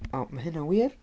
O, ma' hynna'n wir.